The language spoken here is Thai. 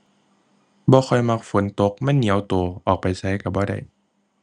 บ่ค่อยมักฝนตก มันเหนียวตัว ออกไปไสตัวบ่ได้